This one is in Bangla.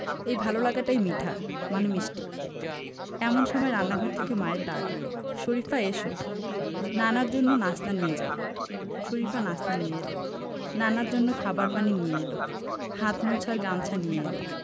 এই ভালো লাগাটাই মিঠা মানে মিষ্টি এমন সময় রান্নাঘর থেকে মায়ের ডাক এলো মা শরিফা এসো নানার জন্য নাশতা নিয়ে যাও শরিফা নাশতা নিয়ে এলো নানার জন্য খাবার পানি নিয়ে এলো হাত মোছার গামছা নিয়ে এলো